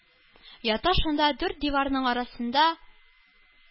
Ята шунда дүрт диварның арасында.